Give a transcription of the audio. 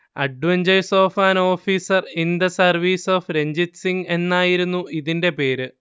adventures of an officer in the service of Ranjit Singh എന്നായിരുന്നു ഇതിന്റെ പേര്